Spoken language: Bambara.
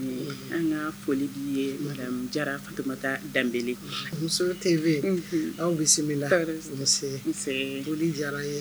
An ka foli danbe muso tɛ aw bɛ bisimila